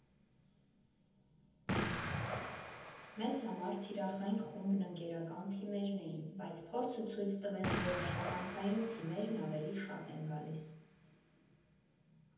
Մեզ համար թիրախային խումբն ընկերական թիմերն էին, բայց փորձը ցույց տվեց, որ աշխատանքային թիմերն ավելի շատ են գալիս»։